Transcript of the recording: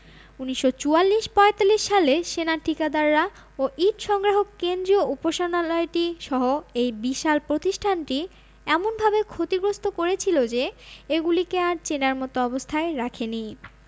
১৯৪৪ ৪৫ সালে সেনা ঠিকাদাররা ও ইট সংগ্রাহক কেন্দ্রীয় উপাসনালয়টিসহ এই বিশাল প্রতিষ্ঠানটি এমনভাবে ক্ষতিগ্রস্থ করেছিল যে এগুলিকে আর চেনার মতো অবস্থায় রাখেনি